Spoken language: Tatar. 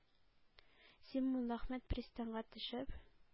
Син, Муллаәхмәт, пристаньга төшеп,